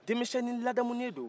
denmisɛnnin ladamunen do